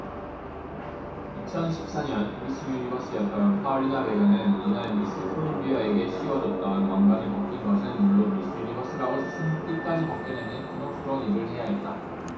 이천 십 사 년 미스 유니버스였던 파울리나 베가는 이날 미스 콜롬비아에게 씌워줬던 왕관을 벗긴 것은 물론 미스 유니버스라고 쓴 띠까지 벗겨내는 곤혹스런 일을 해야 했다